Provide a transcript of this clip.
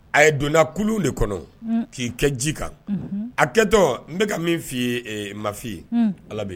A ye donnadakulu de kɔnɔ k'i kɛ ji kan a kɛtɔ n bɛka ka min fɔ ma fɔi ye alabi